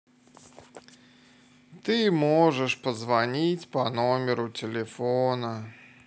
ты можешь позвонить по номеру телефона